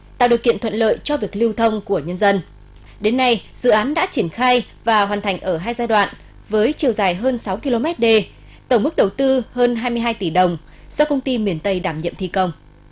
tạo điều kiện thuận lợi cho việc lưu thông của nhân dân đến nay dự án đã triển khai và hoàn thành ở hai giai đoạn với chiều dài hơn sáu ki lô mét đê tổng mức đầu tư hơn hai mươi hai tỷ đồng do công ty miền tây đảm nhiệm thi công